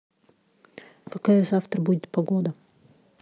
какая завтра будет погода